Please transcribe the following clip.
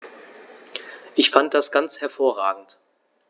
Ich fand das ganz hervorragend.